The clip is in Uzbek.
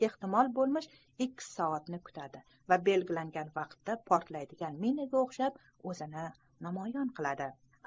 ehtimol bo'lmish iks soatni kutadi va belgilangan vaqtda portlaydigan minaga o'xshab o'zini namoyon qiladi